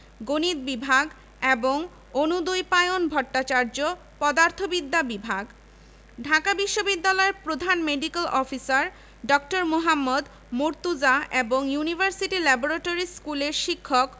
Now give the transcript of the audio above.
যার ফলে এর জনবল ও সুযোগ সুবিধার ওপর প্রচন্ড চাপ সৃষ্টি হয় এরপর আরও কয়েকটি বিশ্ববিদ্যালয় প্রতিষ্ঠিত হলেও ঢাকা বিশ্ববিদ্যালয়ের ওপর থেকে চাপ কমেনি